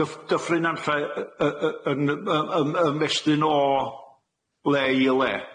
B- yy Dyff- Dyffryn Nantlla y- y- y- yn y- y- m- y- m- ymestyn o le i le?